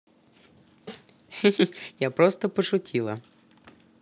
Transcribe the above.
я просто пошутила